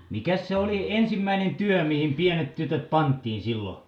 mikäs se oli ensimmäinen työ mihin pienet tytöt pantiin silloin